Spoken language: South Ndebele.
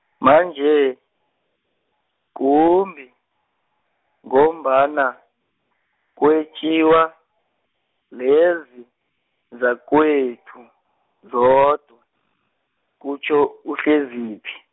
manje, kumbi, ngombana, kwetjiwa, lezi, zakwethu, zodwa, kutjho uHleziphi.